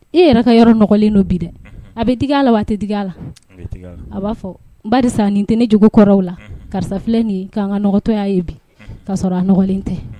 E yɛrɛ ka yɔrɔ nɔgɔlen don bi dɛ, unhun, a bɛ digi a la wa a tɛ tigi a la? a b'a fɔ barisa nin tɛ ne jogo kɔrɔw la, unhun, karisa filɛ nin ye ka an ka nɔgɔtɔya ye bi, unhun, k'a sɔrɔ n gɔlen tɛ.